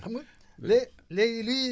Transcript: xam nga lée léegi li ñiy